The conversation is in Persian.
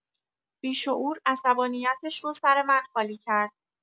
بیشعور عصبانیتش رو سر من خالی کرد.